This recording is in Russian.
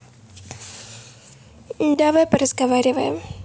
давай поразговариваем